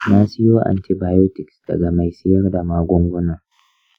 na siyo antibiotics daga mai siyar da magunguna.